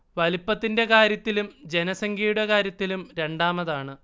വലിപ്പത്തിന്റെ കാര്യത്തിലും ജനസംഖ്യയുടെ കാര്യത്തിലും രണ്ടാമതാണ്